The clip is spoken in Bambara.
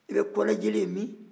i bɛ kɔnɛ jeli ye min